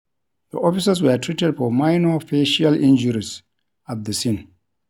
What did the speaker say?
The officers were treated for minor facial injuries at the scene.